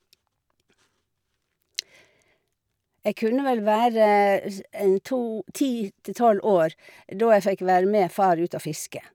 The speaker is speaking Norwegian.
Jeg kunne vel være s en to ti til tolv år da jeg fikk være med far ut og fiske.